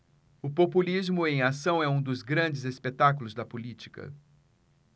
o populismo em ação é um dos grandes espetáculos da política